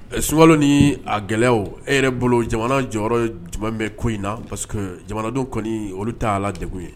Sunwa ni a gɛlɛya e yɛrɛ bolo jamana jɔyɔrɔ ye jumɛn bɛ ko in na parce que jamanadenw kɔni olu ta'a la de ye